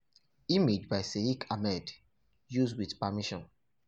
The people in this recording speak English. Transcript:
Image by Shakil Ahmed, used with permission.